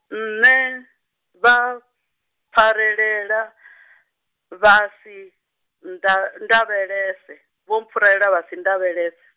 nṋe, vha, pfarelela, vhasi, nnḓa nnḓavhelese, vho mpfuralela vhasi nnḓavhelese.